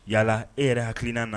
Yala e yɛrɛ hakilikilnan na